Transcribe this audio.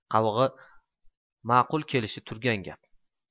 qavig'i ma'qul kelishi turgan gap